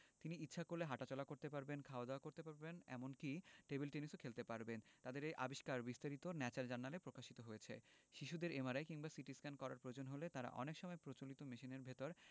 তিনি ইচ্ছা করলে হাটাচলা করতে পারবেন খাওয়া দাওয়া করতে পারবেন এমনকি টেবিল টেনিসও খেলতে পারবেন তাদের এই আবিষ্কারের বিস্তারিত ন্যাচার জার্নালে প্রকাশিত হয়েছে শিশুদের এমআরআই কিংবা সিটিস্ক্যান করার প্রয়োজন হলে তারা অনেক সময় প্রচলিত মেশিনের ভেতর